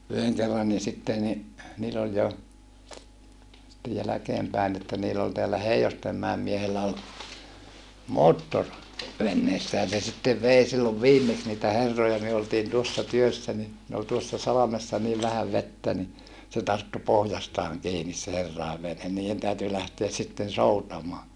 yhden kerrankin sitten niin niin oli jo sitten jälkeenpäin että niin oli täällä Heinostenmäen miehellä oli moottori veneessään se sitten vei silloin viimeksi niitä herroja me oltiin tuossa työssä niin ne oli tuossa salmessa niin vähän vettä niin se tarttui pohjastaan kiinni se herrojen vene niiden täytyi lähteä sitten soutamaan